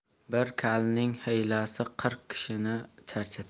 bir kalning hiylasi qirq kishini charchatar